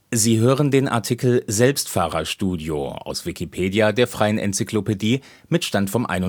Sie hören den Artikel Selbstfahrerstudio, aus Wikipedia, der freien Enzyklopädie. Mit dem Stand vom Der